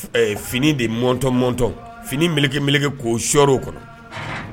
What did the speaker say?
Fini de mɔn9 mɔn9 fini melekeelege k'o siɔrow kɔnɔ